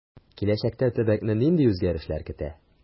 Киләчәктә төбәкне нинди үзгәрешләр көтә?